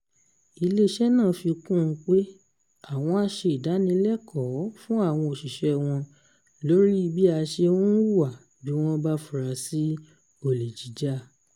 Ilé-iṣẹ́ náà fi kún un pé àwọn á ṣe ìdánilẹ́kọ̀ọ́ fún àwọn òṣìṣẹ́ wọn lórí bí a ṣe ń hùwà bí wọ́n bá fura sí olè jíjà.